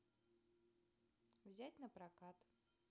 взять напрокат